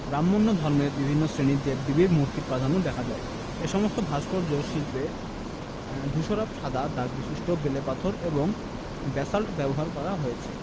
ব্রাক্ষ্মণ্য ধর্মের বিভিন্ন শ্রেণির দেব দেবীর মূর্তির প্রাধান্য দেখা যায় এ সমস্ত ভাস্কর্য শিল্পে ধূসরাভ সাদা দাগ বিশিষ্ট বেলে পাথর এবং ব্যাসাল্ট ব্যবহার করা হয়েছে